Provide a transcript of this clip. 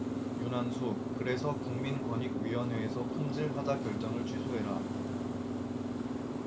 윤한수 그래서 국민권익위원회에서 품질 하자 결정을 취소해라